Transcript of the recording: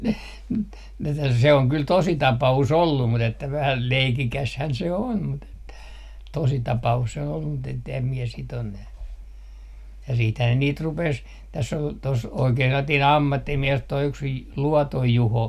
mm - se on kyllä tosi tapaus ollut mutta että vähän leikikäshän se on mutta että tositapaus se on ollut mutta että en minä sitä ole - ja sittenhän ne niitä rupesi tässä oli tuossa oikea sellainen ammattimies tuo yksi - Luoton Juho